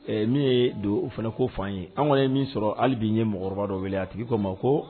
Min ye don o fana ko' ye an kɔni ye min sɔrɔ hali b'i ye mɔgɔkɔrɔba dɔ wele a tigi' ma ko